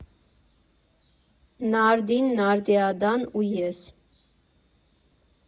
ՆԱՐԴԻՆ, ՆԱՐԴԻԱԴԱՆ ՈՒ ԵՍ։